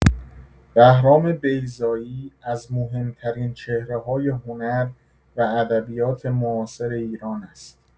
بهرام بیضایی از مهم‌ترین چهره‌های هنر و ادبیات معاصر ایران است.